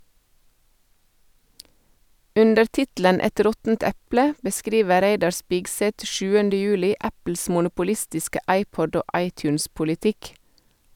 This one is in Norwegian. Under tittelen "Et råttent eple" beskriver Reidar Spigseth 7. juli Apples monopolistiske iPod- og iTunes-politikk.